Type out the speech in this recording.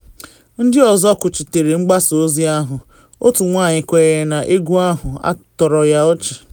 Ndị ọzọ kwuchitere mgbasa ozi ahụ, otu nwanyị kwenyere na egwu ahụ tọrọ ya “ọchị.”